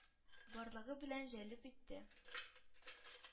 Барлыгы белән җәлеп итте.